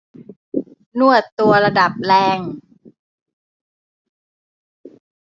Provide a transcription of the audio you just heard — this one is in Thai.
นวดตัวระดับแรง